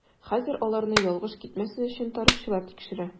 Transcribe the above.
Хәзер аларны ялгыш китмәсен өчен тарихчылар тикшерә.